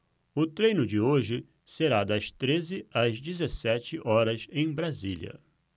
o treino de hoje será das treze às dezessete horas em brasília